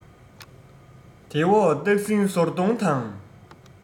དེ འོག སྟག སྲིང ཟོར གདོང དང